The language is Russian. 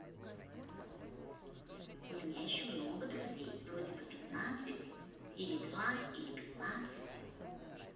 у меня еще много друзей вроде бы пятнадцать или два или пятнадцать